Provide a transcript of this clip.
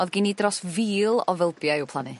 o'dd gin i dros fil o fylbiau i'w plannu.